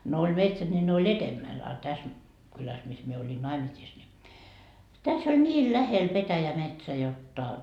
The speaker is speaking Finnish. no oli metsät niin ne oli edemmällä a tässä kylässä missä minä olin naimisissa niin tässä oli niin lähellä petäjämetsä jotta